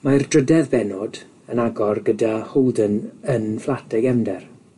Mae'r drydedd bennod yn agor gyda Holden yn fflat ei gefnder.